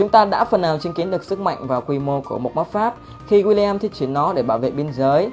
chúng ta đã phần nào chứng kiến được sức mạnh và quy mô của mộc ma pháp khi william thi triển nó để bảo vệ biên giới